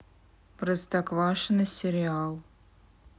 простоквашино сериал